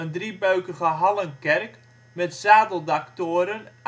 driebeukige hallenkerk met zadeldaktoren